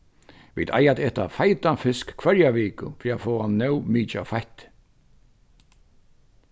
vit eiga at eta feitan fisk hvørja viku fyri at fáa nóg mikið av feitti